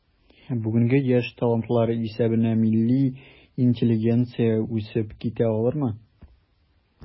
Бүгенге яшь талантлар исәбенә милли интеллигенция үсеп китә алырмы?